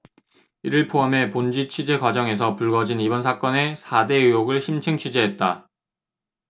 이를 포함해 본지 취재 과정에서 불거진 이번 사건의 사 대 의혹을 심층 취재했다